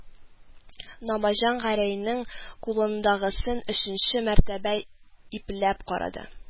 Намаҗан Гәрәйнең кулындагысын өченче мәртәбә ипләп карады